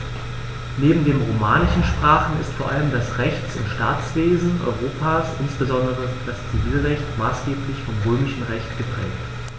Neben den romanischen Sprachen ist vor allem das Rechts- und Staatswesen Europas, insbesondere das Zivilrecht, maßgeblich vom Römischen Recht geprägt.